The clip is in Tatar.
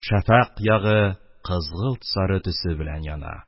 Шәфәкъ ягы кызгылт сары төсе белән яна.